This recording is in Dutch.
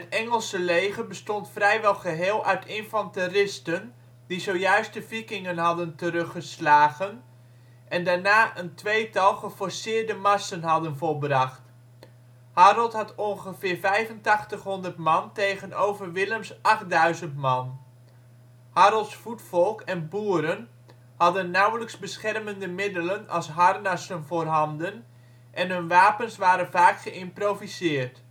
Engelse leger bestond vrijwel geheel uit infanteristen die zojuist de Vikingen hadden teruggeslagen en daarna een tweetal geforceerde marsen hadden volbracht. Harold had ongeveer 8500 man tegenover Willems 8000 man. Harolds voetvolk en boeren hadden nauwelijks beschermende middelen als harnassen voorhanden en hun wapens waren vaak geïmproviseerd